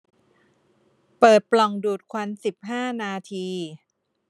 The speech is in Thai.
เปิดปล่องดูดควันสิบห้านาที